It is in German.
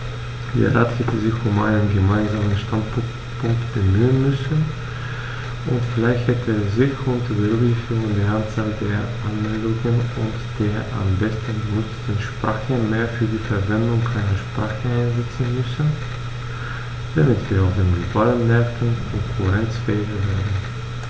Der Rat hätte sich um einen gemeinsamen Standpunkt bemühen müssen, und vielleicht hätte er sich, unter Berücksichtigung der Anzahl der Anmeldungen und der am meisten benutzten Sprache, mehr für die Verwendung einer Sprache einsetzen müssen, damit wir auf den globalen Märkten konkurrenzfähiger werden.